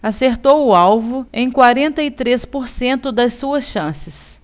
acertou o alvo em quarenta e três por cento das suas chances